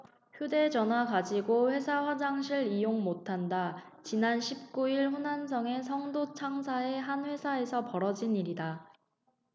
휴대전화 가지고 회사 화장실 이용 못한다 지난 십 구 일 후난성의 성도 창사의 한 회사에서 벌어진 일이다